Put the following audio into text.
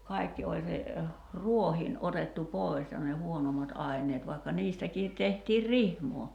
kaikki oli se rohdin otettu pois ja ne huonommat aineet vaikka niistäkin tehtiin rihmaa